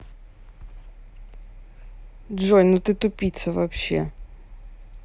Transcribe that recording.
джой ну ты тупица вообще